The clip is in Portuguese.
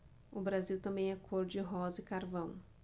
o brasil também é cor de rosa e carvão